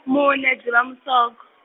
mune Dzivamusoko.